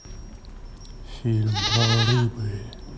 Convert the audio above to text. фильм про рыбы